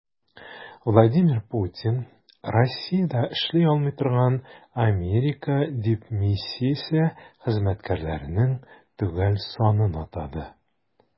Владимир Путин Россиядә эшли алмый торган Америка дипмиссиясе хезмәткәрләренең төгәл санын атады.